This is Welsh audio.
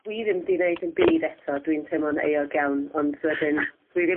Dwi ddim 'di neud dim byd eto. Dwi'n teimlo'n euog iawn, ond wedyn dwi dim